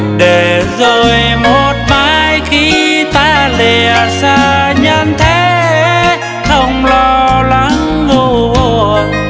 để rồi một mai khi ta lìa xa nhân thế không lo lắng ưu buồn